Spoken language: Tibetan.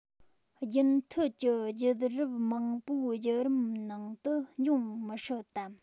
རྒྱུན མཐུད ཀྱི རྒྱུད རབས མང པོའི བརྒྱུད རིམ ནང དུ འབྱུང མི སྲིད དམ